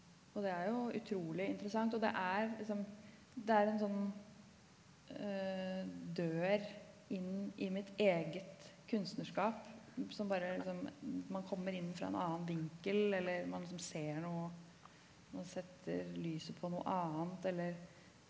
og det er jo utrolig interessant og det er liksom det er en sånn dør inn i mitt eget kunstnerskap som bare liksom man kommer inn fra en annen vinkel eller man liksom ser noe og man setter lyset på noe annet eller.